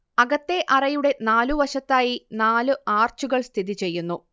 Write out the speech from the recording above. അകത്തേ അറയുടെ നാലു വശത്തായി നാലു ആർച്ചുകൾ സ്ഥിതി ചെയ്യുന്നു